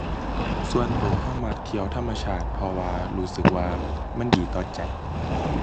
ส่วนตัวตัวมักเที่ยวธรรมชาติ เพราะว่ารู้สึกว่ามันดีต่อใจ